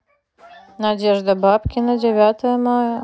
надежда бабкина девятое мая